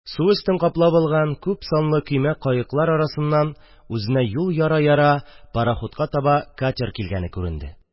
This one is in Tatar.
Су өстен каплап алган күпсанлы көймә-каеклар арасыннан үзенә юл яра-яра, пароходка таба катер килгәне күренде.